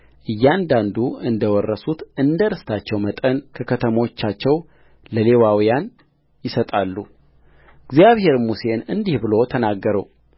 እያንዳንዱ እንደ ወረሱት እንደ ርስታቸው መጠን ከከተሞቻቸው ለሌዋውያን ይሰጣሉእግዚአብሔርም ሙሴን እንዲህ ብሎ ተናገረው